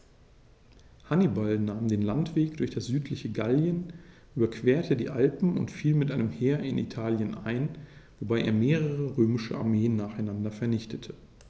Hannibal nahm den Landweg durch das südliche Gallien, überquerte die Alpen und fiel mit einem Heer in Italien ein, wobei er mehrere römische Armeen nacheinander vernichtete.